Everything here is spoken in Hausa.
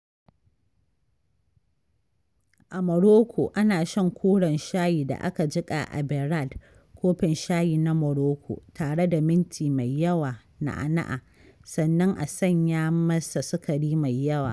A Maroko, ana shan koren shayi da aka jiƙa a berrad (kofin shayi na Maroko) tare da minti mai yawa (na'na') sannan a sanya masa sukari mai yawa.